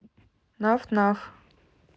наф наф